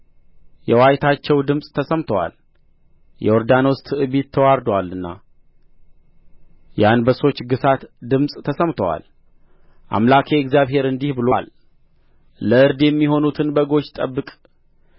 የዋይታቸው ድምፅ ተሰምቶአል የዮርዳኖስ ትዕቢት ተዋርዶአልና የአንበሶች ግሣት ድምፅ ተሰምቶአል አምላኬ እግዚአብሔር እንዲህ ብሎአል ለእርድ የሚሆኑትን በጎች ጠብቅ